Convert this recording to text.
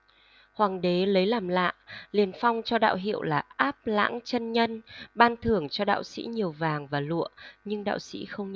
hoàng đế lấy làm lạ liền phong cho đạo hiệu là áp lãng chân nhân ban thưởng cho đạo sĩ nhiều vàng và lụa nhưng đạo sĩ không